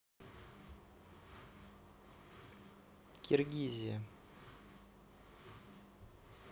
киргизия